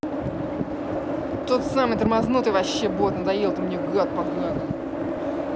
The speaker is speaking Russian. тот самый тормознутый вообще бот надоел ты мне гад поганый